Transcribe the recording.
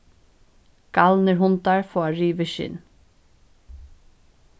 galnir hundar fáa rivið skinn